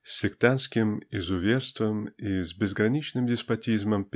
с сектантским изуверством и с безграничным деспотизмом